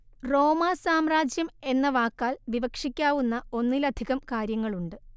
റോമാ സാമ്രാജ്യം എന്ന വാക്കാല്‍ വിവക്ഷിക്കാവുന്ന ഒന്നിലധികം കാര്യങ്ങളുണ്ട്